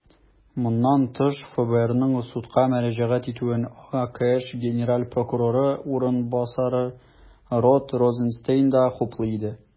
Моннан тыш, ФБРның судка мөрәҗәгать итүен АКШ генераль прокуроры урынбасары Род Розенстейн да хуплый иде.